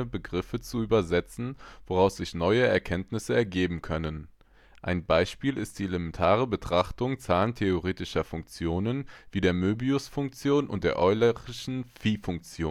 Begriffe zu „ übersetzen “, woraus sich neue Erkenntnisse ergeben können. Ein Beispiel ist die elementare Betrachtung zahlentheoretischer Funktionen wie der Möbiusfunktion und der Eulerschen Phi-Funktion